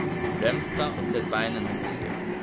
bremsa og set beinini niður